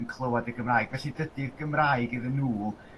yn clywed y Gymraeg. Felly dydi'r Gymraeg iddyn n'w